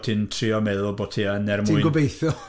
Ti'n trio meddwl bo' ti yn, er mwyn... Ti'n gobeithio!